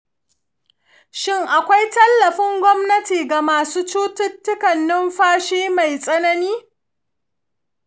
shin akwai tallafin gwamnati ga masu cututtukan numfashi mai tsanani?